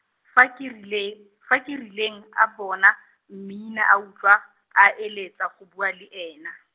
fa Kerile-, fa Kerileng a bona, Mmina a utlwa, a eletsa go bua le ena.